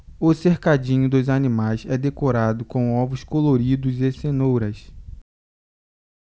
o cercadinho dos animais é decorado com ovos coloridos e cenouras